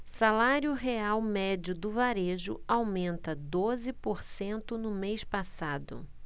salário real médio do varejo aumenta doze por cento no mês passado